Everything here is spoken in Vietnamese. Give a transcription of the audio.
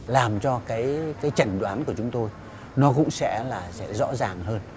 làm cho cái cái chẩn đoán của chúng tôi nó cũng sẽ là sẽ rõ ràng hơn